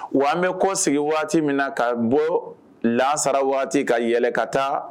Wa an bɛ ko sigi waati min na ka bon lasara waati ka yɛlɛ ka taa